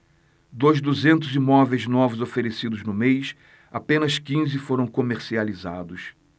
dos duzentos imóveis novos oferecidos no mês apenas quinze foram comercializados